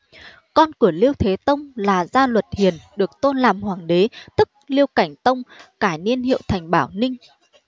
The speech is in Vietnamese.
con của liêu thế tông là da luật hiền được tôn làm hoàng đế tức liêu cảnh tông cải niên hiệu thành bảo ninh